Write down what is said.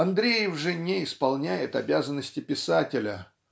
Андреев же не исполняет обязанности писателя